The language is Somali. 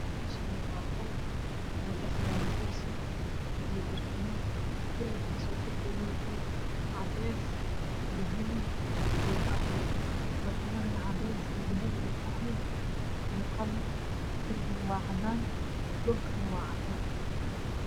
Halkan waa qol wax dhxyalo kursi iyo barkiman kalar kode waa cades iyo qahwi iyo dahabi